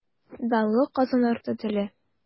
Данлы Казан арты теле.